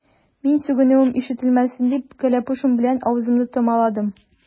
Мин, сүгенүем ишетелмәсен дип, кәләпүшем белән авызымны томаладым.